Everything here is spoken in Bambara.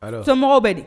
Sɔnmɔgɔw bɛ di